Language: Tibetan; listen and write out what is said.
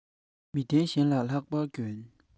མིག ལྡན གཞན ལས ལྷག པར མགྱོགས